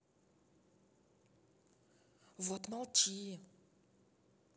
вот молчи